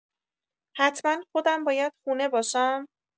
حتما خودم باید خونه باشم؟